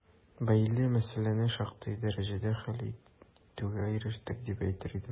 Бәйле мәсьәләне шактый дәрәҗәдә хәл итүгә ирештек, дип әйтер идем.